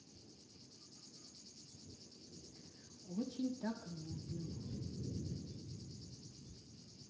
очень так любим